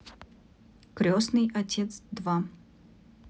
крестный отец два